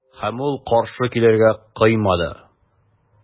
Һәм ул каршы килергә кыймады.